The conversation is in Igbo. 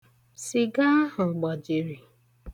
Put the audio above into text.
Sịga ahụ gbajiri.